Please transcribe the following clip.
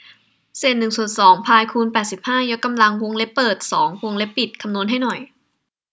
เศษหนึ่งส่วนสองพายคูณแปดสิบห้ายกกำลังวงเล็บเปิดสองวงเล็บปิดคำนวณให้หน่อย